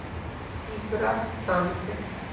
игра танки